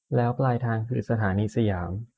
แล้วปลายทางคือสถานีสยาม